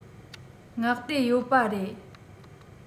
སྔ ལྟས ཡོད པ རེད